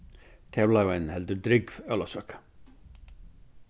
tað bleiv ein heldur drúgv ólavsøka